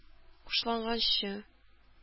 Хушланганчы